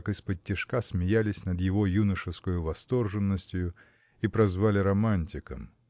как исподтишка смеялись над его юношескою восторженностью и прозвали романтиком.